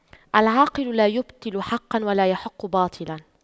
العاقل لا يبطل حقا ولا يحق باطلا